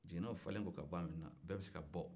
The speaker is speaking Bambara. jiginɛw falen ko ka ban bɛɛ bɛ se ka bɔ